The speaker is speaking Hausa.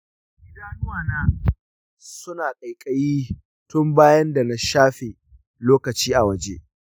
idanuwa na suna ƙaiƙayi tun bayan da na shafe lokaci a waje.